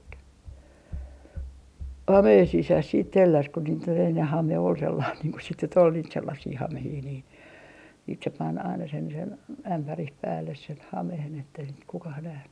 hameen sisässä sitten telläsi kun niitä oli ennen hame oli sellainen niin kuin sitten nyt oli niitä sellaisia hameita niin sitten se pani aina sen sen ämpärin päälle sen hameen että ei sitä kukaan nähnyt